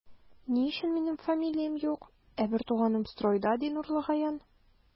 Ни өчен минем фамилиям юк, ә бертуганым стройда, ди Нурлыгаян.